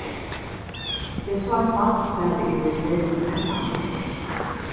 eg sá eitt barn fara yvir um vegin einsamalt